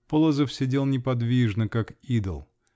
Полозов сидел неподвижно, как идол